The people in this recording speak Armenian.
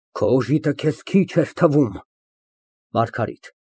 Քո օժիտը քեզ քիչ էր թվում։ ՄԱՐԳԱՐԻՏ ֊